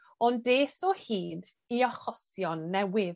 ond des o hyd i achosion newydd.